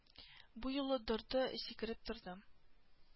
Бу юлы дорды сикереп торды